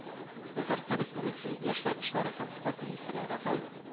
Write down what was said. Татарстан Республикасы яшьләр эшләре һәм спорт министры Рафаэл